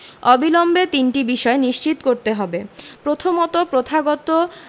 অবিলম্বে তিনটি বিষয় নিশ্চিত করতে হবে প্রথমত প্রথাগত